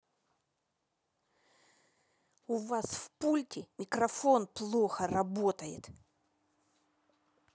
у вас в пульте микрофон плохо работает